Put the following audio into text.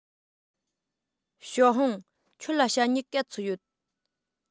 ཞའོ ཧུང ཁྱོད ལ ཞྭ སྨྱུག ག ཚོད ཡོད